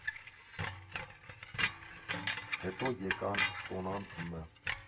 Հետո եկան Սոնան, Մ.